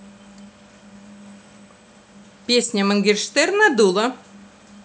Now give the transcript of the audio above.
песня моргенштерна дула